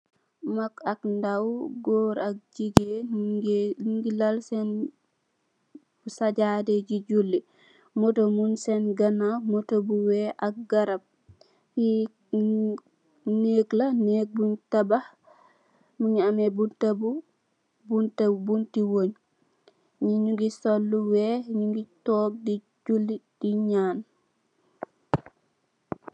Mak ak ndaw goor ak jigeen nyungi lal sen sijadah di julli, motor mung sen ganaw motor bu wekh ak garap, li neek bunye tabakh mungi ame bunta bu wunye nyi nyungi sul wekh di tok di julli nyunge nyan